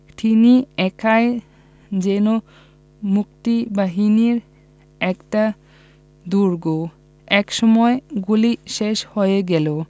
তিনি একাই যেন মুক্তিবাহিনীর একটা দুর্গ একসময় গুলি শেষ হয়ে গেল